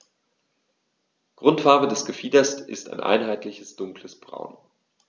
Grundfarbe des Gefieders ist ein einheitliches dunkles Braun.